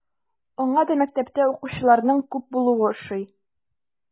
Аңа да мәктәптә укучыларның күп булуы ошый.